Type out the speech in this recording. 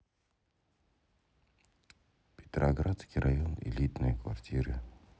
петроградский район элитные квартиры